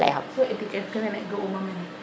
so etiquer fe ga uma mene